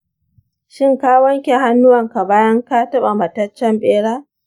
shin ka wanke hannuwanka bayan ka taɓa mataccen bera?